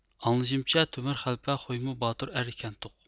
ئاڭلىشىمچە تۆمۈر خەلپە خويمۇ باتۇر ئەر ئىكەنتۇق